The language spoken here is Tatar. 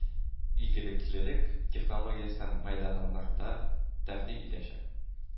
Игелеклелек технологиясе мәйданнанарында тәкъдим итәчәк